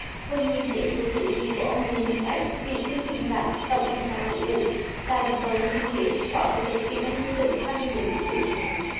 hội nghị dưới sự chủ trì của ông lê minh khái ủy viên trung ương đảng tổng thanh tra chính phủ tại điểm cầu thừa thiên huế phó chủ tịch ủy ban dân tỉnh phan thiên định chủ trì hội nghị